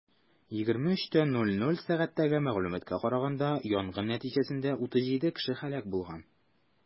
23:00 сәгатьтәге мәгълүматка караганда, янгын нәтиҗәсендә 37 кеше һәлак булган.